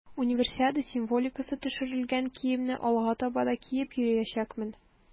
Универсиада символикасы төшерелгән киемне алга таба да киеп йөриячәкмен.